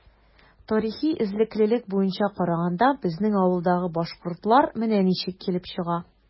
Тарихи эзлеклелек буенча караганда, безнең авылдагы “башкортлар” менә ничек килеп чыга.